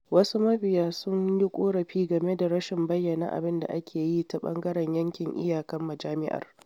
Wasu mabiya sun yi ƙorafi game da rashin bayyana abin da aka yi ta ɓangaren yankin iyakar majami’ar.